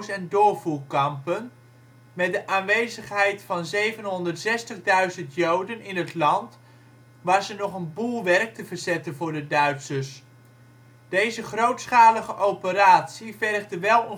en doorvoerkampen. Met de aanwezigheid van 760 000 Joden in het land was er nog een boel werk te verzetten voor de Duitsers. Deze grootschalige operatie vergde wel